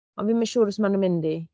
Ond fi ddim yn siŵr os maen nhw'n mynd i.